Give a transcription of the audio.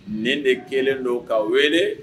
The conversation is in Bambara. Nin de kelen don k'a wele